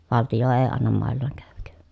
valtio ei anna maillaan käydä